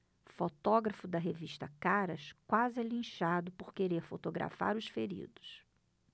fotógrafo da revista caras quase é linchado por querer fotografar os feridos